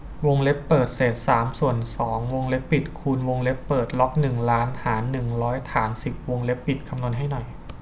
วงเล็บเปิดเศษสามส่วนสองวงเล็บปิดคูณวงเล็บเปิดล็อกหนึ่งล้านหารหนึ่งร้อยฐานสิบวงเล็บปิดคำนวณให้หน่อย